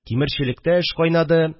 Тимерчелектә эш кайнады